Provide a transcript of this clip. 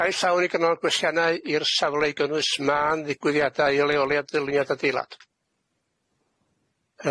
Cae llawn i gynnal gwestiynau i'r safle i gynnwys ma'n ddigwyddiadau i leoliad ddilyniad adeilad.